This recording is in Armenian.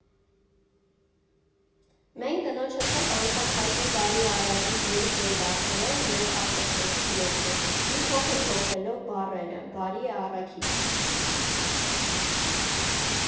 Մենք կնոջս հետ անգամ հայտնի «Բարի արագիլ» երգն ենք դարձրել մեր ավտոստոպի երգը՝ մի փոքր փոխելով բառերը՝ «բարի առաքիչ»։